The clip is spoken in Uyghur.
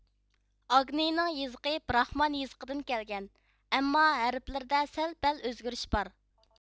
ئاگنىنىڭ يېزىقى براخمان يېزىقىدىن كەلگەن ئەمما ھەرپلىرىدە سەل پەل ئۆزگىرىش بار